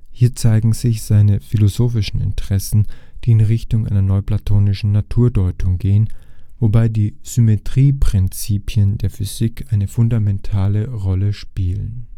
Hier zeigen sich seine philosophischen Interessen, die in Richtung einer neuplatonischen Naturdeutung gehen, wobei die Symmetrieprinzipien der Physik eine fundamentale Rolle spielen